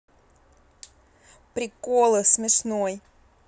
приколы смешной